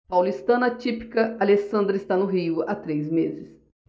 paulistana típica alessandra está no rio há três meses